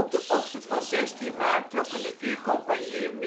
de ochtend van zestien maart trokken de vier compagnieën